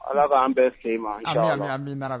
Ala k'an bɛɛ se e ma